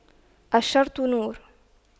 الشرط نور